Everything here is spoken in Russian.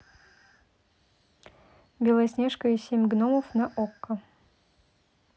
белоснежка и семь гномов на окко